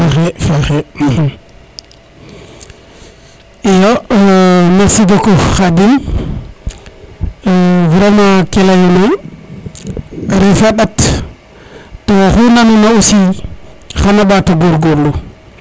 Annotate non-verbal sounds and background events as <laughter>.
faaxe faaxe <hesitation> <hesitation> iyo merci beaucoup khadim vraiment ke leyona a refa a ndat to oxu nanuna aussi xana ɓato gorgorlu